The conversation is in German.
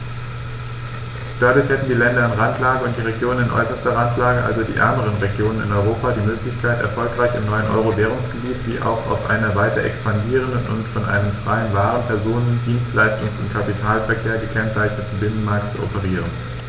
Dadurch hätten die Länder in Randlage und die Regionen in äußerster Randlage, also die ärmeren Regionen in Europa, die Möglichkeit, erfolgreich im neuen Euro-Währungsgebiet wie auch auf einem weiter expandierenden und von einem freien Waren-, Personen-, Dienstleistungs- und Kapitalverkehr gekennzeichneten Binnenmarkt zu operieren.